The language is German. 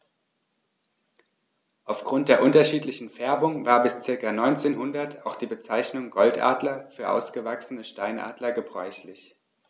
Auf Grund der unterschiedlichen Färbung war bis ca. 1900 auch die Bezeichnung Goldadler für ausgewachsene Steinadler gebräuchlich.